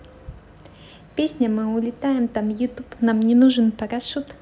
песня мы улетаем там youtube нам не нужен парашют